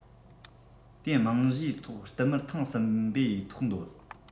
དེའི རྨང གཞིའི ཐོག བསྟུད མར ཐེངས གསུམ པའི ཐོག འདོད